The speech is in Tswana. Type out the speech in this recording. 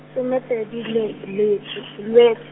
somepedi le e letso, .